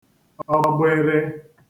ọgbịrị